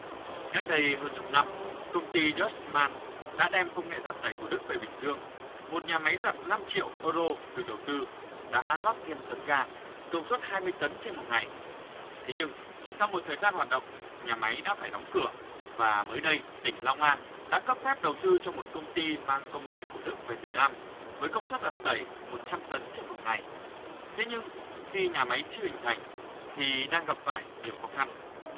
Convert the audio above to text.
cách đây hơn chục năm công ty rớt man đã đem công nghệ giặt tẩy của đức về bình dương một nhà máy giặt năm triệu ơ rô được đầu tư đã lót thêm tấm ga công suất hai mươi tấn trên ngày thế nhưng chỉ sau một thời gian hoạt động nhà máy đã phải đóng cửa và mới đây tỉnh long an đã cấp phép đầu tư cho một công ty mang công nghệ của đức về việt nam với công suất giặt tẩy một trăm tấn trên một ngày thế nhưng khi nhà máy chưa hình thành thì đang gặp phải nhiều khó khăn